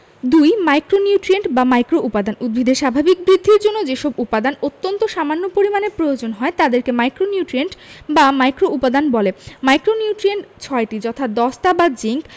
২ micronutrient বা মাইক্রোউপাদান উদ্ভিদের স্বাভাবিক বৃদ্ধির জন্য যেসব উপাদান অত্যন্ত সামান্য পরিমাণে প্রয়োজন হয় তাদেরকে মাইক্রোনিউট্রিয়েন্ট বা মাইক্রোউপাদান বলে মাইক্রোনিউট্রিয়েন্ট ৬টি যথা দস্তা বা জিংক